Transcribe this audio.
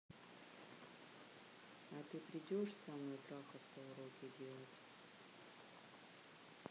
а ты придешь со мной трахаться уроки делать